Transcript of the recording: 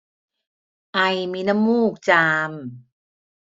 ไอมีน้ำมูกจาม